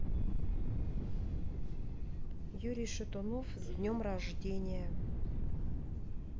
юрий шатунов с днем рождения